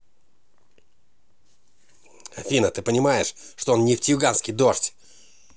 афина ты понимаешь что он нефтеюганске дождь